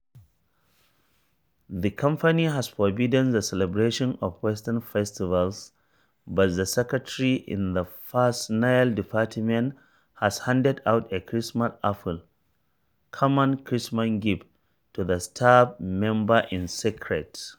The company has forbidden the celebration of Western festivals. But the secretary in the personnel department has handed out a Christmas apple [common Christmas gift] to the staff members in secret.